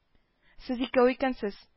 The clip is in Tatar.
- сез икәү икәнсез